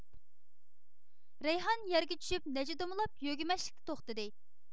رەيھان يەرگە چۈشۈپ نەچچە دومىلاپ يۆگىمەچلىكتە توختىدى